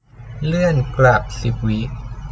เลื่อนกลับสิบวิ